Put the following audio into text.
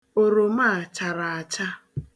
Oroma a chara acha.